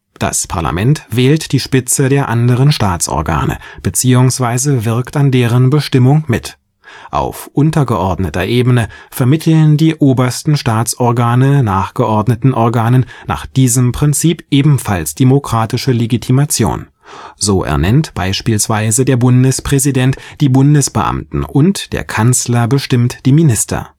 Das Parlament wählt die Spitze der anderen Staatsorgane bzw. wirkt an deren Bestimmung mit. Auf untergeordneter Ebene vermitteln die obersten Staatsorgane nachgeordneten Organen nach diesem Prinzip ebenfalls demokratische Legitimation: So ernennt beispielsweise der Bundespräsident die Bundesbeamten und der Kanzler bestimmt die Minister